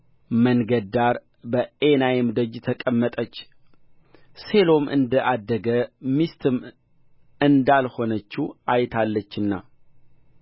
መንገድ ዳር በኤናይም ደጅ ተቀመጠች ሴሎም እንደ አደገ ሚስትም እንዳልሆነችው አይታለችና